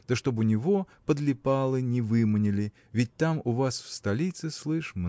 да чтоб у него подлипалы не выманили ведь там у вас в столице слышь